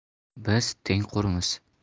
biz tengqurmiz